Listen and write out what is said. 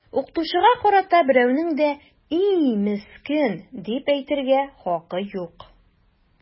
Укытучыга карата берәүнең дә “и, мескен” дип әйтергә хакы юк!